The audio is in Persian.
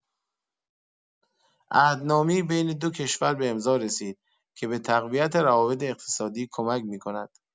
عهدنامه‌ای بین دو کشور به امضا رسید که به تقویت روابط اقتصادی کمک می‌کند.